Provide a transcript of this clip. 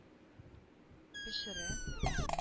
Пешерә